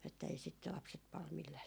että ei sitä lapset paljon millään